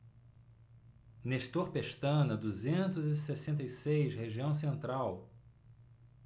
nestor pestana duzentos e sessenta e seis região central